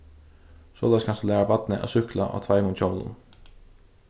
soleiðis kanst tú læra barnið at súkkla á tveimum hjólum